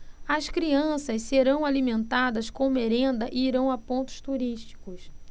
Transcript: as crianças serão alimentadas com merenda e irão a pontos turísticos